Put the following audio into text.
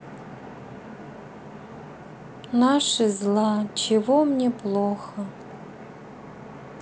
наши зла чего мне плохо